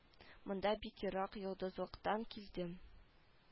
Монда бик ерак йолдызлыктан килдем